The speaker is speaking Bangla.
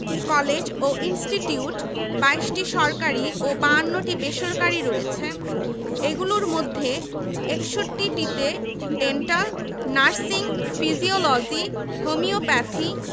পরবর্তীকালে ১৯৬৬ সালে চট্টগ্রাম বিশ্ববিদ্যালয় প্রতিষ্ঠার পর তৎকালীন চট্টগ্রাম বিভাগের কলেজগুলিকে ওই বিশ্ববিদ্যালয়ের অন্তর্ভুক্ত করা হয়